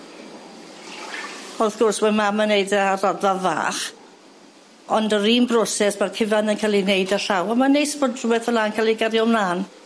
wrth gwrs we' mam yn neud e ar raddfa fach ond yr un broses ma'r cyfan yn ca'l ei neud â llaw a ma'n neis bod rwbeth fel 'a yn ca'l ei gario mlan